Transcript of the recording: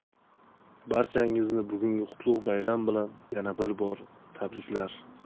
barchangizni bugungi qutlug' bayram bilan yana bir bor tabriklar